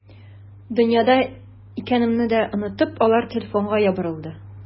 Дөньяда икәнемне дә онытып, алар телефонга ябырылды.